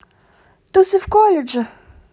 тусы в колледже